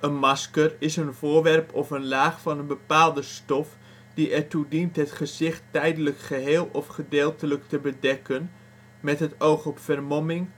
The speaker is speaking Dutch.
masker is een voorwerp of een laag van een bepaalde stof, die ertoe dient het gezicht tijdelijk geheel of gedeeltelijk te bedekken, met het oog op vermomming